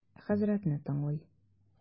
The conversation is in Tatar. Хәзрәтне тыңлый.